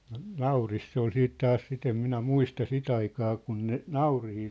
no naurista se oli sitten taas sitä en minä muista sitä aikaa kun ne nauriita